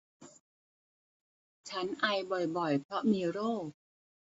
ฉันไอบ่อยบ่อยเพราะมีโรค